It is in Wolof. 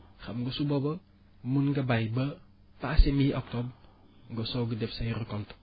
xam nga su booba mun nga bàyyi ba passé mi octobre nga soog a def say récolte